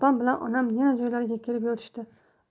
opam bilan onam yana joylariga kelib yotishdi